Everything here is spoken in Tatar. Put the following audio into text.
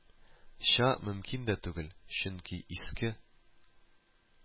Ча мөмкин дә түгел, чөнки иске